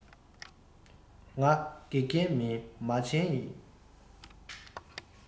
ང དགེ རྒན མིན མ བྱན ཡིན